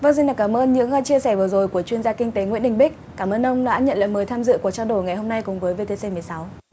vâng xin được cảm ơn những chia sẻ vừa rồi của chuyên gia kinh tế nguyễn đình bích cảm ơn ông đã nhận lời mời tham dự cuộc trao đổi ngày hôm nay cùng với vê tê xê mười sáu